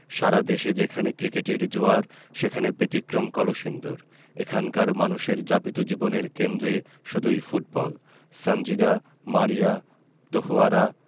সারা দেশে যেখানে ক্রিকেটের জোয়ার সেখানে ব্যতিক্রম কলসিন্দুর এখানকার মানুষের যাপিত জীবনের কেন্দ্রে শুধুই ফুটবল সানজিদা মারিয়া তহুয়ারা